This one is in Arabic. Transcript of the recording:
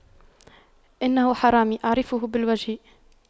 إنه حرامي أعرفه بالوجه